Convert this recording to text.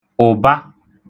ụ̀ba